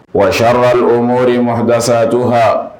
Wa sahawari o mori madasaj h